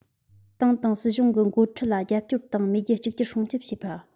ཏང དང སྲིད གཞུང གི འགོ ཁྲིད ལ རྒྱབ སྐྱོར དང མེས རྒྱལ གཅིག གྱུར སྲུང སྐྱོབ བྱེད པ